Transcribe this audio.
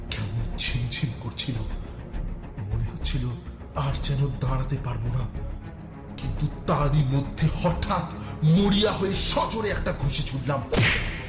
কেমন যেন ঝিমঝিম করছিল মনে হচ্ছিল আর যেন দাঁড়াতে পারবো না কিন্তু তারই মধ্যে হঠাৎ মরিয়া হয়ে সজোরে একটা ঘুষি ছুড়লাম